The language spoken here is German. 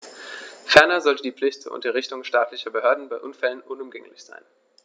Ferner sollte die Pflicht zur Unterrichtung staatlicher Behörden bei Unfällen unumgänglich sein.